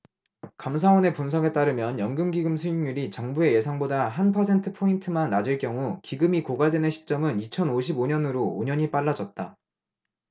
감사원의 분석에 따르면 연금기금수익률이 정부의 예상보다 한 퍼센트포인트만 낮을 경우 기금이 고갈되는 시점은 이천 오십 오 년으로 오 년이 빨라졌다